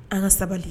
An ka sabali